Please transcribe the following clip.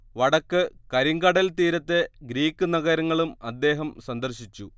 വടക്ക് കരിങ്കടൽ തീരത്തെ ഗ്രീക്ക് നഗരങ്ങളും അദ്ദേഹം സന്ദർശിച്ചു